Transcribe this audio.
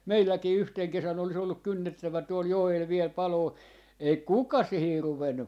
meilläkin yhtenä kesänä olisi ollut kynnettävä tuolla joella vielä paloa ei kukaan siihen ruvennut